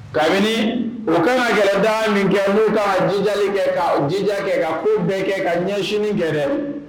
Kabini u ka ka kɛlɛ da min kɛ n'u ka jijali kɛ ka jija kɛ ka ko bɛɛ kɛ ka ɲɛ sini kɛ